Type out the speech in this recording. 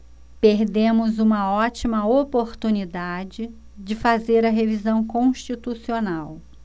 perdemos uma ótima oportunidade de fazer a revisão constitucional